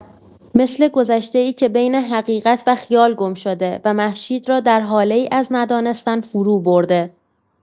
مثل گذشته‌ای که بین حقیقت و خیال گم شده و مهشید را در هاله‌ای از ندانستن فروبرده.